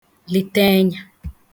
lète enyā